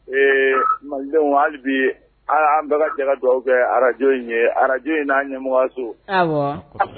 Ee mali hali bi an'an bɛɛ jala dugawu kɛ arajo in ye arajo in n'a ɲɛmɔgɔso